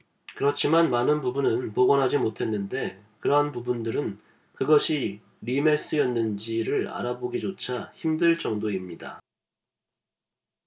그렇지만 많은 부분은 복원하지 못했는데 그러한 부분들은 그것이 리메스였는지를 알아보기조차 힘들 정도입니다